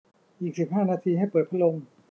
อีกสิบห้านาทีให้เปิดพัดลม